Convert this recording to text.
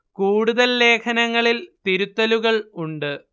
കൂടുതൽ ലേഖനങ്ങളിൽ തിരുത്തലുകൾ ഉണ്ട്